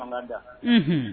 Anka da